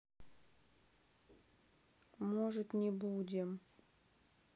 может не будем